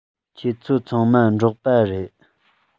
ཁྱོད ཚོ ཚང མ འབྲོག པ རེད